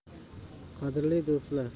qadrli do'stlar